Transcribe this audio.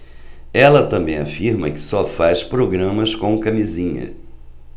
ela também afirma que só faz programas com camisinha